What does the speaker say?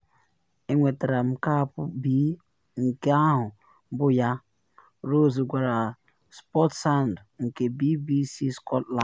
Enwetara m cap B nke ahụ bụ ya,” Ross gwara Sportsound nke BBC Scotland.